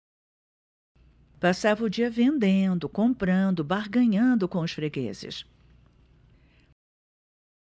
passava o dia vendendo comprando barganhando com os fregueses